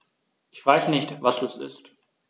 Ich weiß nicht, was das ist.